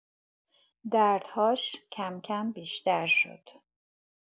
دردهاش کم‌کم بیشتر شد.